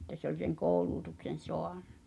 että se oli sen koulutukseen saanut